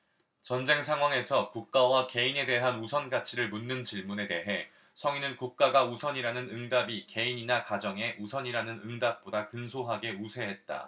전쟁 상황에서 국가와 개인에 대한 우선가치를 묻는 질문에 대해 성인은 국가가 우선이라는 응답이 개인이나 가정이 우선이라는 응답보다 근소하게 우세했다